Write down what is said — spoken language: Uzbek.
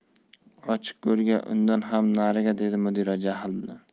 ochiq go'rga undan ham nariga dedi mudira jahl bilan